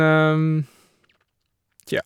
Tja.